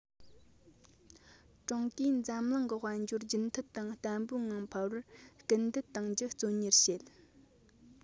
ཀྲུང གོས འཛམ གླིང གི དཔལ འབྱོར རྒྱུན མཐུད དང བརྟན པོའི ངང འཕར བར སྐུལ འདེད གཏོང རྒྱུ བརྩོན གཉེར བྱེད